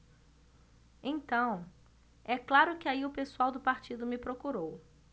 então é claro que aí o pessoal do partido me procurou